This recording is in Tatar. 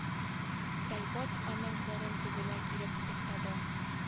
Тәлгат аның борын төбенә килеп туктады